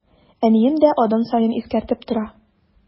Әнием дә адым саен искәртеп тора.